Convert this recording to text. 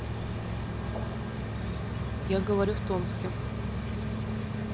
я говорю в томске